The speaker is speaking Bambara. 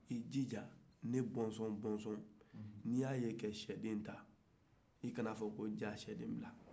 i jija ne bɔsɔn-bɔsɔn n'i y'a ye ka sɛden ta i kan'a fɔ jaa sɛden bila